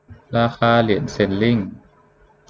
ราคาเหรียญเชนลิ้ง